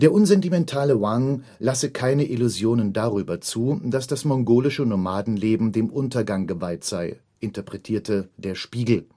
unsentimentale Wang lasse keine Illusionen darüber zu, dass das mongolische Nomadenleben dem Untergang geweiht sei, interpretierte Der Spiegel